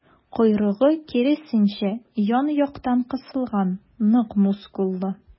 Койрыгы, киресенчә, ян-яктан кысылган, нык мускуллы.